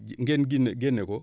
ngeen génn génne ko